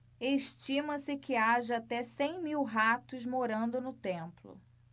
estima-se que haja até cem mil ratos morando no templo